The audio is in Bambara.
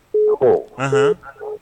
Ne ko Anhan